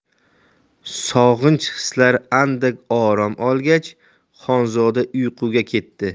sog'inch hislari andak orom olgach xonzoda uyquga ketdi